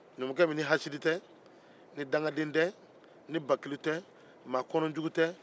numukɛ min ni hasidi ni dangaden tɛ ni bakilu tɛ mɔgɔ kɔnɔnanjugu tɛ